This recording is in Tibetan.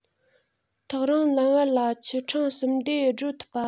ཐག རིང ལམ བར ལ ཆུ འཕྲང གསུམ བདེ བགྲོད ཐུབ པ